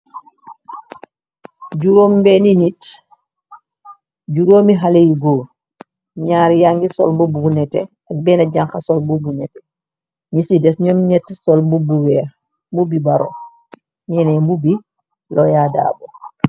Juróom mbeeni nit juróomi xale yu goor ñyaar yangi sol bubbu nete ak benn janka sol bubu nete bena jangxa sul mbobu bu ñette sol mubi baro ñeenee mubbi loyaa daabo.